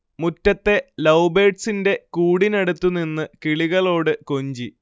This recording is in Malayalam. മുറ്റത്തെ ലൗബേഡ്സിന്റെ കൂടിനടുത്ത് നിന്ന് കിളികളോട് കൊഞ്ചി